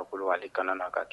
Baba kulubali ka na ka